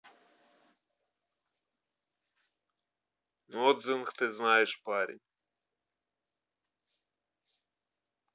nothing ты знаешь парень